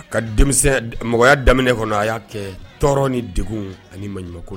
Ka denmisɛn d mɔgɔya daminɛ kɔnɔ a y'a kɛɛ tɔɔrɔ ni degun ani maɲumako l